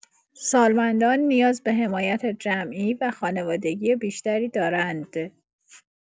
سالمندان نیاز به حمایت جمعی و خانوادگی بیشتری دارند.